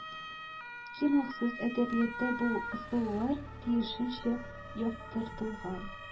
Ки махсус әдәбиятта бу ысуллар тиешенчә яктыртылган